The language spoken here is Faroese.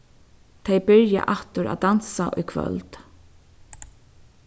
tey byrja aftur at dansa í kvøld